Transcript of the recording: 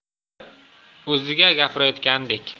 o'ziga gapirayotgandek